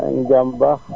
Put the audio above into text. yaa ngi ci jàmm bu baax